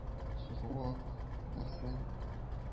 Сугу вак нәрсә